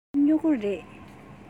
འདི སྨྱུ གུ རེད